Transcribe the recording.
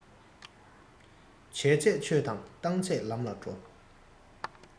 བྱས ཚད ཆོས དང བཏང ཚད ལམ ལ འགྲོ